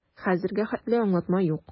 Хәзергә хәтле аңлатма юк.